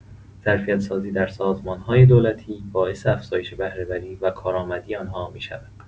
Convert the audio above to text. ظرفیت‌سازی در سازمان‌های دولتی باعث افزایش بهره‌وری و کارآمدی آن‌ها می‌شود.